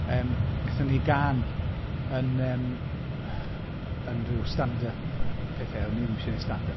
Yym wnaethon ni gân yn yym yn rhyw stand-up pethau. O'n ni ddim eisiau wneud stand-up.